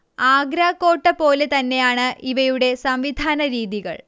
ആഗ്രാകോട്ടപോലെ തന്നെയാണ് ഇവയുടെയും സംവിധാനരീതികൾ